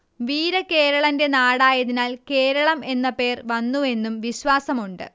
വീരകേരളന്റെ നാടായതിനാൽ കേരളം എന്ന പേർ വന്നു എന്നും ഒരു വിശ്വാസം ഉണ്ട്